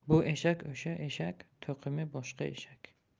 bu eshak o'sha eshak to'qimi boshqa eshak